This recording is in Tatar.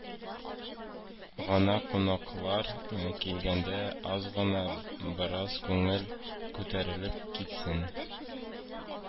Ганда, кунаклар килгәндә аз гына, бераз күңел күтәрелеп китсен